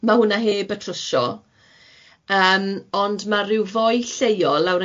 Ma' hwnna heb y trwsio yym ond ma' ryw foi lleol lawr